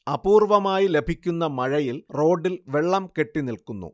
അപൂർവമായി ലഭിക്കുന്ന മഴയിൽ റോഡില്‍ വെള്ളം കെട്ടിനിൽക്കുന്നു